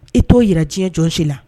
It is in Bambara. I t'o yɛrɛ tiɲɛ jɔnsi la